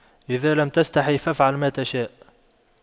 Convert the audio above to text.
اذا لم تستحي فأفعل ما تشاء